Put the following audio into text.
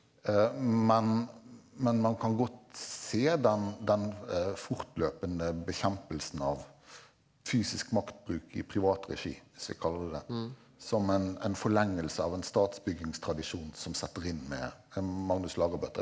men men man kan godt se den den fortløpende bekjempelsen av fysisk maktbruk i privat regi hvis vi kaller det det som en en forlengelse av en statsbyggingstradisjon som setter inn med Magnus Lagabøte.